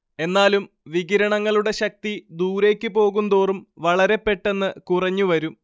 എന്നാലും വികിരണങ്ങളുടെ ശക്തി ദൂരേയ്ക്ക് പോകുന്തോറും വളരെപ്പെട്ടെന്ന് കുറഞ്ഞുവരും